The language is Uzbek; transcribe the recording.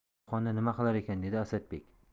qo'qonda nima qilar ekan dedi asadbek